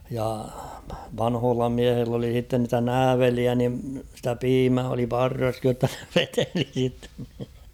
ja vanhoilla miehillä oli sitten niitä nääveleitä niin sitä piimää oli parrassakin jotta ne veteli sitten